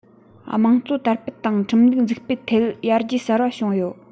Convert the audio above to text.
དམངས གཙོ དར སྤེལ དང ཁྲིམ ལུགས འཛུགས སྤེལ ཐད ཡར རྒྱས གསར པ བ བྱུང ཡོད